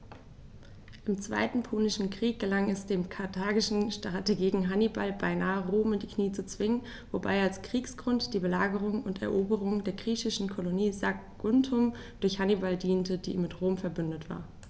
Im Zweiten Punischen Krieg gelang es dem karthagischen Strategen Hannibal beinahe, Rom in die Knie zu zwingen, wobei als Kriegsgrund die Belagerung und Eroberung der griechischen Kolonie Saguntum durch Hannibal diente, die mit Rom „verbündet“ war.